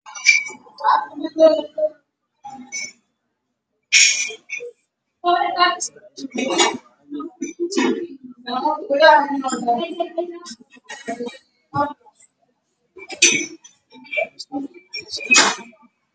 Waa niman askar ah meel taagan